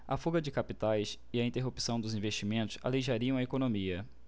a fuga de capitais e a interrupção dos investimentos aleijariam a economia